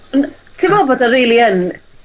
On' yy ti'n me'wl bod o rili yn